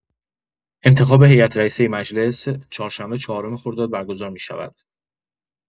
انتخابات هیات‌رئیسه مجلس، چهارشنبه چهارم خرداد برگزار می‌شود.